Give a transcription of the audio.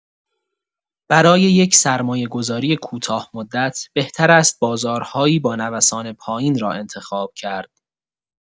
برای یک سرمایه‌گذاری کوتاه‌مدت، بهتر است بازارهایی با نوسان پایین را انتخاب کرد.